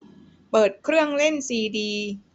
เปิดเครื่องเล่นซีดี